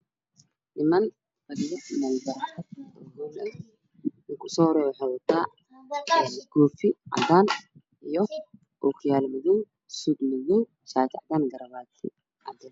Niman fadhiyo meel barxad ah oo hool ah ninka u soo horeeyo wuxuu wataa koofi cadaan iyo ookiyaalo madow suud madow shaati cadaan garamaati cadays ah